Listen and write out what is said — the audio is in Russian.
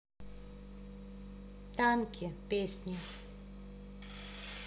танки песни